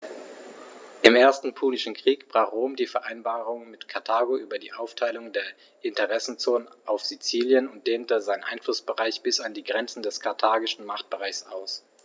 Im Ersten Punischen Krieg brach Rom die Vereinbarung mit Karthago über die Aufteilung der Interessenzonen auf Sizilien und dehnte seinen Einflussbereich bis an die Grenze des karthagischen Machtbereichs aus.